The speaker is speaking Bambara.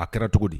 A kɛra cogo di